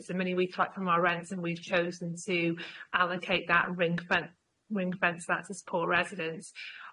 It's the money we collect from our rents and we've chosen to allocate that ring fun- ring fence that to support residents.